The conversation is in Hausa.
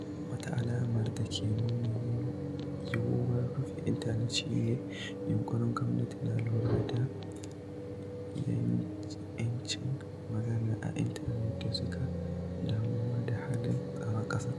Wata alamar da ke nuna yiwuwar rufe intanet shi ne yunƙurin gwamnati na lura da 'yancin magana a intanet da sunan damuwa da halin tsaron ƙasa.